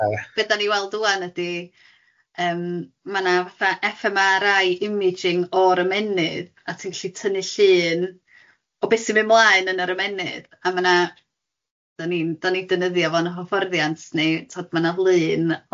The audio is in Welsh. ...ond be dan ni'n weld ŵan ydy yym ma' na fatha eff em ars eye imaging o'r ymennydd a ti'n gallu tynnu llun o be sy'n mynd mlaen yn yr ymennydd a ma' na, dan ni'n dan ni'n defnyddio fo'n hyfforddiant neu tibod ma' na llun o